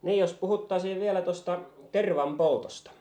niin jos puhuttaisiin vielä tuosta tervanpoltosta